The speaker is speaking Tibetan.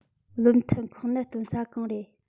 བློ མཐུན ཁོག ནད སྟོན ས གང རེད